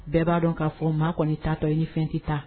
Bɛɛ b'a dɔn k'a fɔ maa kɔni taatɔ ili fɛn tɛ ta